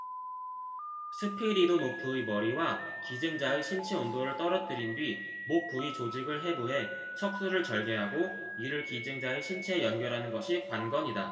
스피리도노프의 머리와 기증자의 신체 온도를 떨어뜨린뒤 목 부위 조직을 해부해 척수를 절개하고 이를 기증자의 신체에 연결하는 것이 관건이다